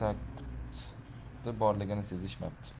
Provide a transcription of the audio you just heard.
maxfiy tagquti borligini sezishmabdi